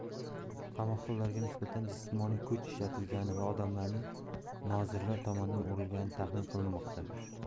qamoqda ularga nisbatan jismoniy kuch ishlatilgani va odamlarning nozirlar tomonidan urilgani taxmin qilinmoqda